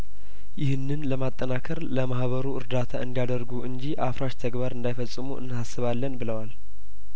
ይህንን ለማጠናከር ለማህበሩ እርዳታ እንዲያደርጉ እንጂ አፍራሽ ተግባር እንዳይፈጽሙ እናሳስባለን ብለዋል